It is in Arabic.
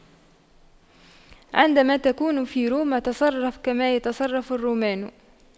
عندما تكون في روما تصرف كما يتصرف الرومان